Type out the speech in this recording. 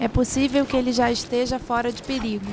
é possível que ele já esteja fora de perigo